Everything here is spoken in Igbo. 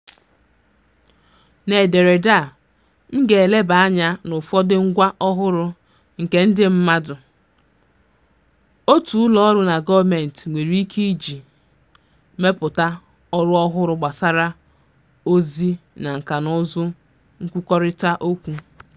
N'ederede a, m ga-elebanye anya n'ụfọdụ ngwá ọhụrụ nke ndị mmadụ, òtù, ụlọọrụ na gọọmenti nwere ike iji mepụta ọrụ ọhụrụ gbasara ozi na nkànaụzụ nkwukọrịta okwu.